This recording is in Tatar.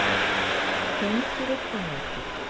Кем киресен әйтер?